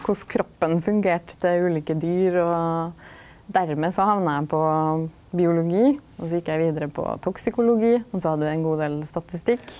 korleis kroppen fungerte til ulike dyr og dermed så hamna eg på biologi, og så gjekk eg vidare på toksikologi, og så hadde vi ein god del statistikk.